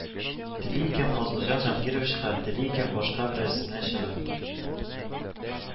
Тели икән Фазылҗан Җангировичка, тели икән башка берәрсенә чыга